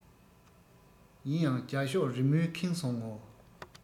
ཡིན ཡང རྒྱ ཤོག རི མོས ཁེངས སོང ངོ